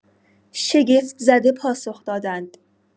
شگفت‌زده پاسخ دادند